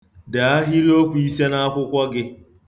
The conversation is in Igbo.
Dee ahịrịokwu ise n'akwụkwọ gị.